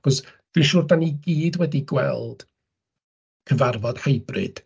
'Chos dwi'n siŵr dan ni gyd wedi gweld cyfarfod hybrid...